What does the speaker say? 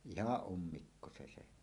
ihan ummikko se se